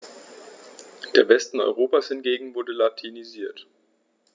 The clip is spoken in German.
Der Westen Europas hingegen wurde latinisiert.